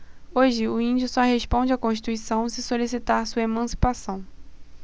hoje o índio só responde à constituição se solicitar sua emancipação